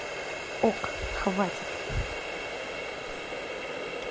ок хватит